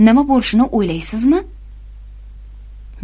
nima bo'lishini o'ylaysizmi